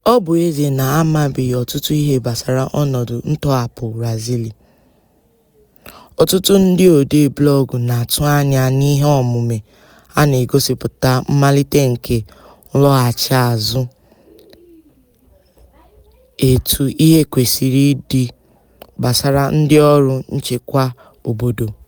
Ọ bụ ezie na a mabeghị ọtụtụ ihe gbasara ọnọdụ ntọhapụ Razily, ọtụtụ ndị odee blọọgụ na-atụ anya na iheomume a na-egosịpụta mmalite nke nlọghachiazụ etu ihe kwesịrị ịdị gbasara ndịọrụ nchekwa obodo.